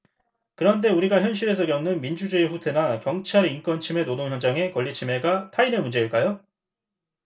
그런데 우리가 현실에서 겪는 민주주의 후퇴나 경찰 인권침해 노동현장의 권리침해가 타인의 문제일까요